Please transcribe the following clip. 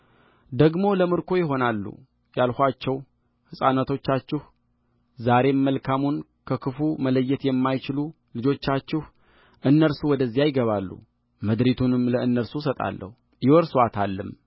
ደግሞ ለምርኮ ይሆናሉ ያላችኋቸው ሕፃናቶቻችሁ ዛሬም መልካሙን ከክፉ መለየት የማይችሉ ልጆቻችሁ እነርሱ ወደዚያ ይገባሉ ምድሪቱንም ለእነርሱ እስጣለሁ ይወርሱአታልም